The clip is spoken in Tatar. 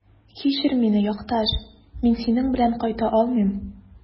Кичер мине, якташ, мин синең белән кайта алмыйм.